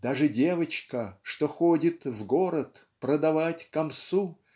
Даже девочка, что ходит В город продавать камсу.